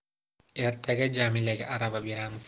ertaga jamilaga arava beramiz